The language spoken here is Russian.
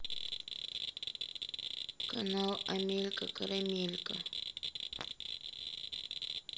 канал амелька карамелька